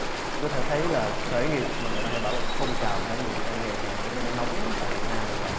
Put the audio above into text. có thể thấy là khởi nghiệp mà người ta hay bảo là phong trào khởi nghiệp đang ngày càng trở nên nóng tại việt nam và